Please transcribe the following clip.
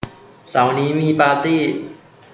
เสาร์นี้มีปาร์ตี้